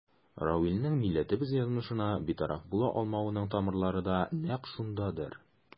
Равилнең милләтебез язмышына битараф була алмавының тамырлары да нәкъ шундадыр.